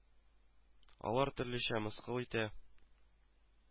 Алар төрлечә мыскыл итә